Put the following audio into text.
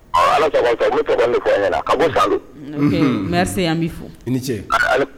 Ka bɔ n se yan bɛ fɔ i ni ce